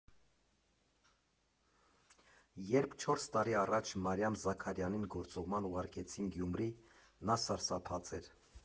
Երբ չորս տարի առաջ Մարիամ Զաքարյանին գործուղման ուղարկեցին Գյումրի, նա սարսափած էր։